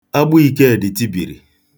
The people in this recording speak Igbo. Agbụ Ikedi tibiri.